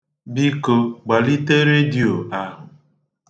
Biko gbalite redio ahụ.